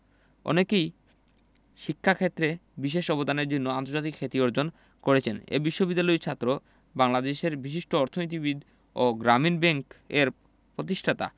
অনেকেই শিক্ষাক্ষেত্রে বিশেষ অবদানের জন্য আন্তর্জাতিক খ্যাতি অর্জন করেছেন এ বিশ্ববিদ্যালয়েরই ছাত্র বাংলাদেশের বিশিষ্ট অর্থনীতিবিদ ও গ্রামীণ ব্যাংকের প্রতিষ্ঠাতা